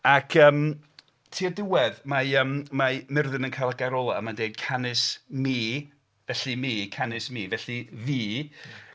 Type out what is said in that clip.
Ac yym, tua'r diwedd mae yym... mae Myrddin yn cael y gair olaf a mae'n dweud; "Canys mi" felly 'mi', 'canys mi' felly, fi...